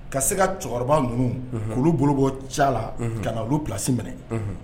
Ka se ka cɛkɔrɔba nunnu unhun k'olu bolo bɔ ca la unhun kana olu place minɛ unhun